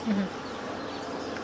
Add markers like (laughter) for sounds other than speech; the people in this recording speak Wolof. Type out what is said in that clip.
(hesitation) (hesitation) (noise)